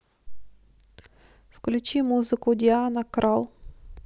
включи музыку диана кралл